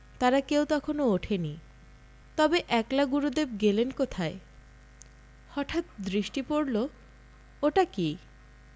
তারা কেউ তখনও ওঠেনি তবে একলা গুরুদেব গেলেন কোথায় হঠাৎ দৃষ্টি পড়ল ওটা কি